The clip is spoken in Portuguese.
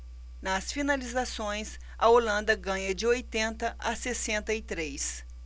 nas finalizações a holanda ganha de oitenta a sessenta e três